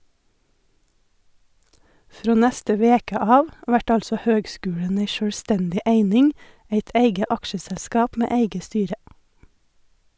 Frå neste veke av vert altså høgskulen ei sjølvstendig eining, eit eige aksjeselskap med eige styre.